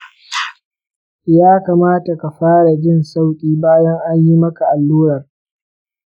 ya kamata ka fara jin sauƙi bayan an yi maka allurar.